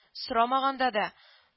Сорамаганда да